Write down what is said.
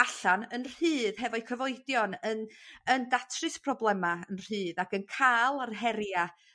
allan yn rhydd hefo'u cyfoedion yn yn datrys problema yn rhydd ac yn ca'l ar heria